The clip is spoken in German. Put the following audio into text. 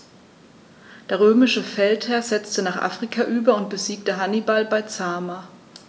Der römische Feldherr setzte nach Afrika über und besiegte Hannibal bei Zama.